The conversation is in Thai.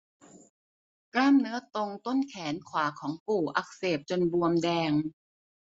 กล้ามเนื้อตรงต้นแขนขวาของปู่อักเสบจนบวมแดง